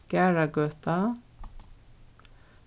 garðagøta